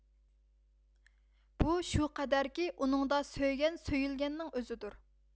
بۇ شۇ قەدەركى ئۇنىڭدا سۆيگەن سۆيۈلگەننىڭ ئۆزىدۇر